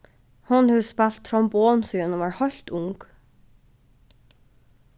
hon hevur spælt trombon síðani hon var heilt ung